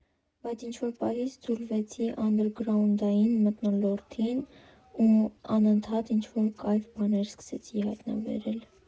Բայց ինչ֊որ պահից ձուլվեցի անդերգրաունդային մթնոլորտին ու անընդհատ ինչ֊որ կայֆ բաներ սկսեցի հայտնաբերել։